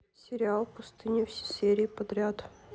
сериал пустыня все серии подряд